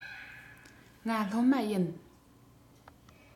ང སློབ མ ཡིན